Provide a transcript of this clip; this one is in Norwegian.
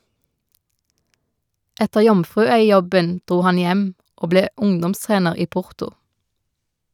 Etter Jomfruøy-jobben dro han hjem og ble ungdomstrener i Porto.